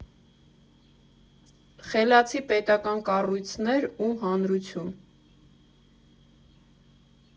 Խելացի պետական կառույցներ ու հանրություն։